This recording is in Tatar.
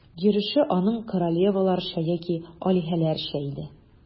Йөреше аның королеваларча яки алиһәләрчә иде.